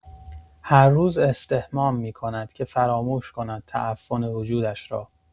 هر روز استحمام می‌کند که فراموش کند تعفن وجودش را.